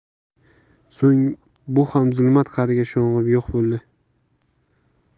so'ng bu ham zulmat qariga sho'ng'ib yo'q bo'ldi